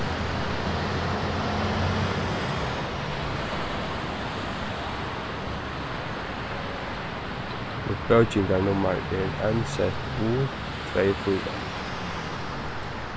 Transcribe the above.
mítt bókingarnummar er n z u tvey fýra